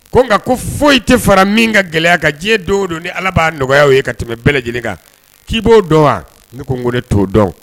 Ko nka ko foyi tɛ fara min ka gɛlɛya ka diɲɛ do don ni ala' nɔgɔya ye ka tɛmɛ bɛɛ lajɛlen kan k'i b'o dɔn wa n ko n ko ne to dɔn